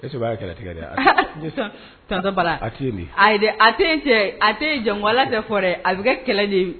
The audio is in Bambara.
E kɛlɛ tigɛ a a tɛ janwa tɛ fɔ dɛ a bɛ kɛ kɛlɛ de